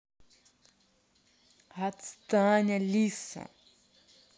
отстань алиса